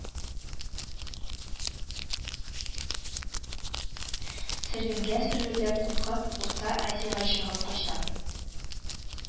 Сөргенгә сөрелүдән куркып, урта азиягә чыгып кача